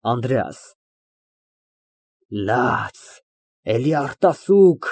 ԱՆԴՐԵԱՍ ֊ Լաց, էլի արտասուք։